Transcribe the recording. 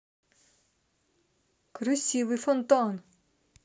красивый фонтан